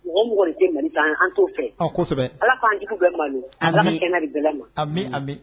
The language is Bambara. Mɔgɔ o mɔgɔ i tɛ Mali fɛ an t'o fɛ, Ala k'an jugu bɛɛ malo, Ala ka kɛnɛya di bɛɛ ma